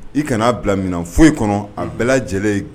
I kana n'a bila minɛn fosi kɔnɔ a bɛɛ lajɛlen ye